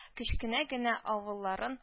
Кечкенә генә авылларын